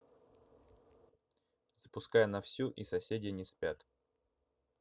запускай на всю и соседи не спят